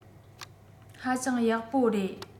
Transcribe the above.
ཧ ཅང ཡག པོ རེད